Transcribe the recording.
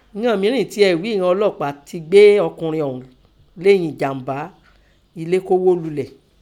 Ìnan mírìn tiẹ̀ ghii ìnan ọlọ́ọ̀pàá tẹ gbé ọkùnrin ọ̀ún lêyìn ẹ̀jàm̀bá elé kọ́ wó lulẹ̀.